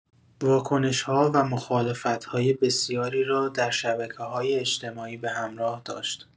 واکنش‌ها و مخالفت‌های بسیاری را در شبکه‌های اجتماعی به همراه داشت.